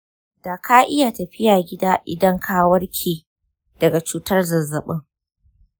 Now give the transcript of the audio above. daka iya tafiya gida idan ka warke daga cutar zazzabin.